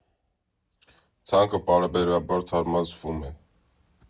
Ցանկը պարբերաբար թարմացվում է։